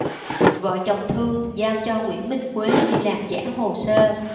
vợ chồng thương giao cho nguyễn minh quế đi làm giả hồ sơ